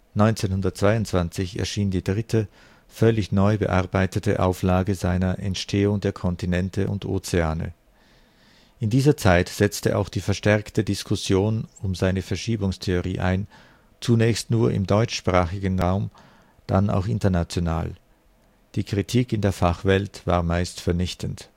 1922 erschien die dritte, völlig neu bearbeitete Auflage seiner Entstehung der Kontinente und Ozeane. In dieser Zeit setzte auch die verstärkte Diskussion um seine Verschiebungstheorie ein, zunächst nur im deutschsprachigen Raum, dann auch international. Die Kritik in der Fachwelt war meist vernichtend